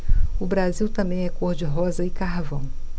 o brasil também é cor de rosa e carvão